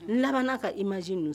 Laban ka i maz ninnu